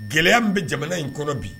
Gɛlɛya min bɛ jamana in kɔnɔ bi